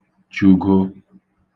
chụ̄gō